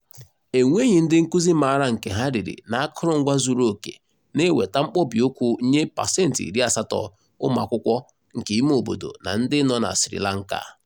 E nweghị ndị nkuzi maara nke ha riri na akụrụngwa zuruoke na-eweta mkpọbi ụkwụ nye 80% ụmụ akwụkwọ nke ịme obodo na ndị nọ na Sri Lanka.